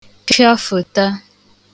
keọfụ̀ta